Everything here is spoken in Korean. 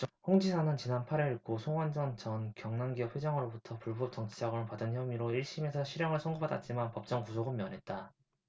홍 지사는 지난 팔 일 고 성완종 전 경남기업 회장으로부터 불법 정치자금을 받은 혐의로 일 심에서 실형을 선고받았지만 법정 구속은 면했다